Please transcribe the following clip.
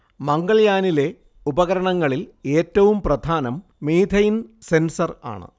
മംഗൾയാനിലെ ഉപകരണങ്ങളിൽ ഏറ്റവും പ്രധാനം മീഥെയ്ൻ സെൻസർ ആണ്